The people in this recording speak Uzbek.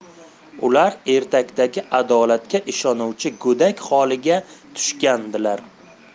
ular ertakdagi adolatga ishonuvchi go'dak holiga tushgandilar